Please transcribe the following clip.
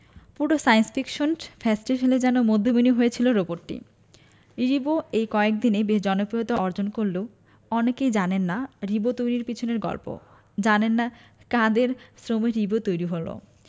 পুরো science fiction ফেস্টিভ্যালে যেন মধ্যমণি হয়েছিল রোবটটি রিবো এই কয়েকদিনে বেশ জনপ্রিয়তা অর্জন করলেও অনেকেই জানেন না রিবো তৈরির পেছনের গল্প জানেন না কাদের শ্রমে রিবো তৈরি হলো